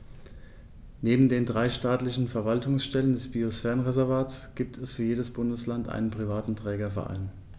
Neben den drei staatlichen Verwaltungsstellen des Biosphärenreservates gibt es für jedes Bundesland einen privaten Trägerverein.